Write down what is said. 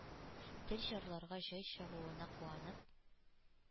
Тел чарларга җай чыгуына куанып,